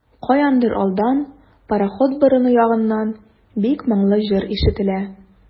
Каяндыр алдан, пароход борыны ягыннан, бик моңлы җыр ишетелә.